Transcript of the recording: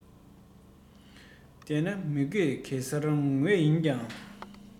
འདན ན མི དགོས གེ སར དངོས ཡིན ཀྱང